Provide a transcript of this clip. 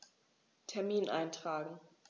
Termin eintragen